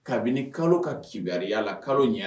Kabini kalo ka kibaruya la kalo ɲi